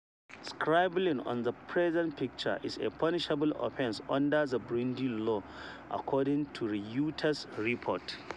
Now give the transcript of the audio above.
Scribbling [on the president’s picture] is a punishable offense under the Burundian law, according to a Reuters report.